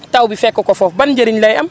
taw bi fekk ko foofu ban njëriñ lay am